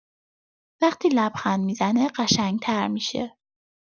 وقتی لبخند می‌زنه، قشنگ‌تر می‌شه.